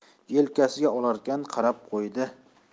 yelkasiga olarkan qarab qo'ydi